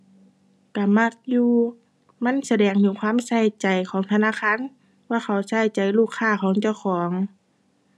ก็มักอยู่ มันแสดงถึงความใส่ใจของธนาคาร ว่าเขาใส่ใจลูกค้าของเจ้าของ